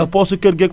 poosu kër geeg